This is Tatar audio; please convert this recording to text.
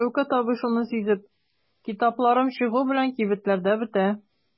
Шәүкәт абый шуны сизеп: "Китапларым чыгу белән кибетләрдә бетә".